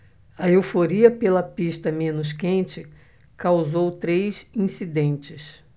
a euforia pela pista menos quente causou três incidentes